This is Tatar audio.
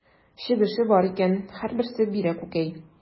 Чебеше бар икән, һәрберсе бирә күкәй.